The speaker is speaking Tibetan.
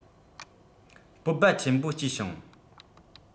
སྤོབས པ ཆེན པོ སྐྱེས བྱུང